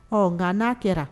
Ɔ nka n'a kɛra